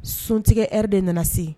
Suntigi de nana se